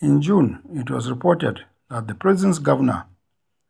In June it was reported that the prison's governor